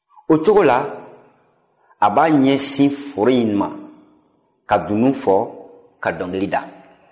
o cogo la a b'a ɲɛsin foro in ma ka dunun fɔ ka dɔnkili da